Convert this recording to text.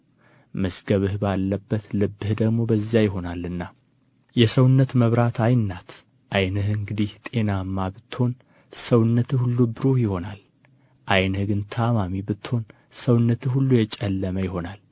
መዝገብህ ባለበት ልብህ ደግሞ በዚያ ይሆናልና የሰውነት መብራት ዓይን ናት ዓይንህ እንግዲህ ጤናማ ብትሆን ሰውነትህ ሁሉ ብሩህ ይሆናል ዓይንህ ግን ታማሚ ብትሆን ሰውነትህ ሁሉ የጨለመ ይሆናል